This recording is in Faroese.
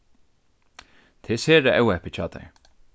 tað er sera óheppið hjá tær